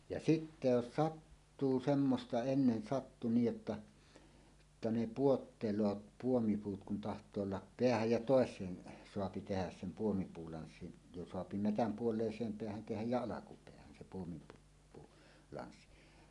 ja sitten jos sattuu semmoista ennen sattui niin jotta jotta ne putoilee puomipuut kun tahtoo olla päähän ja toiseen saa tehdä sen puomipuulanssin jo saa metsän puoleiseen päähän tehdä ja alkupäähän sen puomipuu - puulanssin